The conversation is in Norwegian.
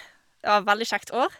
Det var veldig kjekt år.